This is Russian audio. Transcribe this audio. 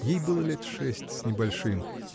Ей было лет шесть с небольшим.